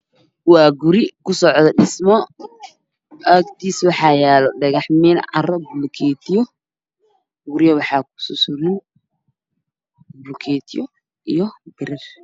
Waa guri ku socdo dhismo agtiisa waxaa yaalo dhagaxmiino carro bulugeetiyo guryo waxa ki sursuran bulugeetiyo iyo tiirar